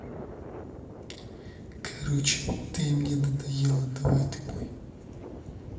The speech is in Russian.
короче ты мне надоела давай ты мой